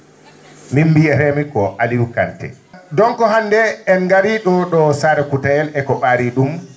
miin mbiyereemi ko Aliou Kanté donc hannde en ngarii ?oo ?o Saare Kutayel e ko ?aarii ?um